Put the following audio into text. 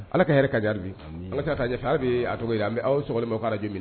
Ala ka hɛɛrɛ kɛ an ɲe hali bi amina Ala ka kɛ ɲɛtaa halibii a tɔgɔ ye di an bɛ aw sɔgɔlen bɛ aw ka Radio m